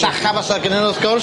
sacha fasa gynnyn n'w wrth gwrs.